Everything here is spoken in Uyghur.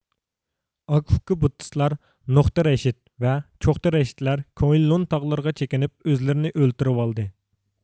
ئاكا ئۇكا بۇددىستلار نۇقتى رەشىد ۋە چوقتى رەشىدلەر كۇئېنلۇن تاغلىرىغا چېكىنىپ ئۆزلىرىنى ئۆلتۈرۈۋالدى